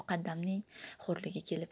muqaddamning xo'rligi kelib